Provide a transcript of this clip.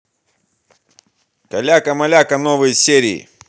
каляка маляка новые серии